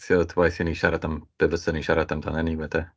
Timod waeth i ni siarad am be fyswn ni'n siarad amdan anyway de.